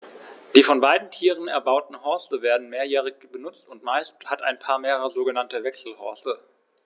Die von beiden Tieren erbauten Horste werden mehrjährig benutzt, und meist hat ein Paar mehrere sogenannte Wechselhorste.